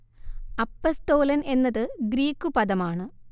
അപ്പസ്തോലൻ എന്നത് ഗ്രീക്കു പദമാണ്